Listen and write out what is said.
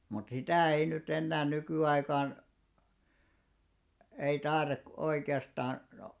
mutta sitä ei nyt enää nykyaikaan ei - oikeastaan no